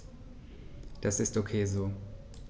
Das ist ok so.